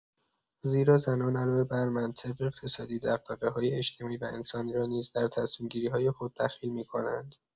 زیرا زنان علاوه بر منطق اقتصادی، دغدغه‌های اجتماعی و انسانی را نیز در تصمیم‌گیری‌های خود دخیل می‌کنند.